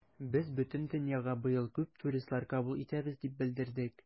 Без бөтен дөньяга быел күп туристлар кабул итәбез дип белдердек.